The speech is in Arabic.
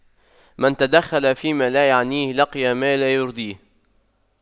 من تدخل فيما لا يعنيه لقي ما لا يرضيه